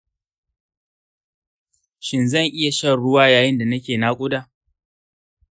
shin zan iya shan ruwa yayin da nake naƙuda